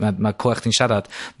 ma' ma' clywed chdi'n siaras